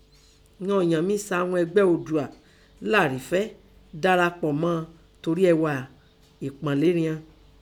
Ìghan ọ̀ǹyàn mí sá hún ẹgbẹ́ Oòduà lárìfẹ́ darapọ̀ mọ́ ọn torí ẹghà ẹpáǹlé rian.